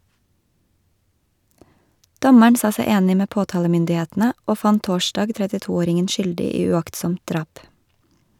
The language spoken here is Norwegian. Dommeren sa seg enig med påtalemyndighetene, og fant torsdag 32-åringen skyldig i uaktsomt drap.